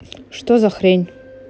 что за хрень